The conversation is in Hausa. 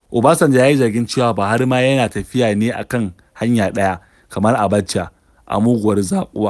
Obasanjo ya yi zargin cewa Buhari ma yana tafiya ne a kan "hanya ɗaya" kamar Abacha "a muguwar zaƙuwa".